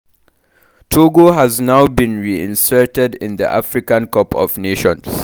Togo has now been reinserted in the African Cup of Nations.